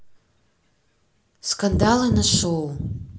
скандалы на шоу